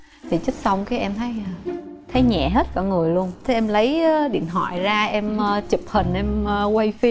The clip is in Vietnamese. thì chích xong cái em thấy a thấy nhẹ hết cả người luôn thế em lấy a điện thoại ra em a chụp hình em a quay phim